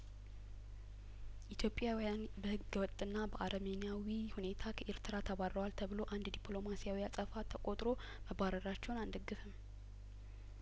ኢትዮጵያውያን በህገ ወጥና በአረመኔያዊ ሁኔታ ከኤርትራ ተባርረዋል ተብሎ አንድ ዲፕሎማሲያዊ አጸፋ ተቆጥሮ መባረራቸውን አን ደግፍም